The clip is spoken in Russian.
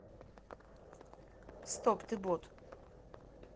стоп ты бот